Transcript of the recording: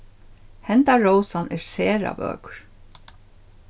henda rósan er sera vøkur